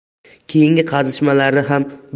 keyingi qazishmalari ham